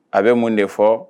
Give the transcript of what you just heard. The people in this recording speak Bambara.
A bɛ mun de fɔ